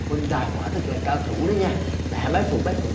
huynh đài quả thực là cao thủ đấy nha tại hạ bái phục bái phục